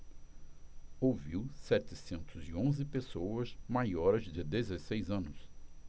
ouviu setecentos e onze pessoas maiores de dezesseis anos